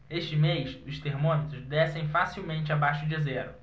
este mês os termômetros descem facilmente abaixo de zero